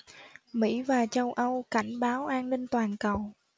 mỹ và châu âu cảnh báo an ninh toàn cầu